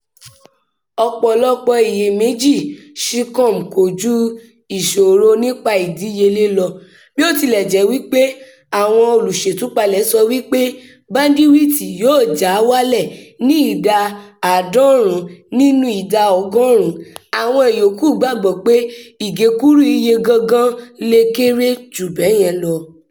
Ọ̀pọ̀lọpọ̀ iyèméjì Seacom kò ju ìṣòro nípa ìdíyelé lọ: bí ó tilẹ̀ jẹ́ pé àwọn olùṣètúpalẹ̀ sọ pé iye báńdíwìtì yóò já wálẹ̀ ní ìdá 90 nínú ìdá ọgọ́rùn-ún, àwọn ìyókù gbàgbọ́ pé ìgékúrú iye gangan le kéré jù bá yẹn lọ.